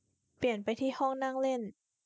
เปลี่ยนไปที่ห้องนั่งเล่น